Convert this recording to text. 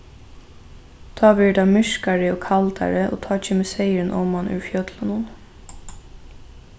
tá verður tað myrkari og kaldari og tá kemur seyðurin oman úr fjøllunum